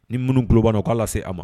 Ni minnu tulobana u k'a lase a ma